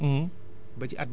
daf ko jachère